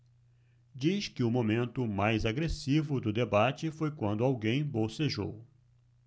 diz que o momento mais agressivo do debate foi quando alguém bocejou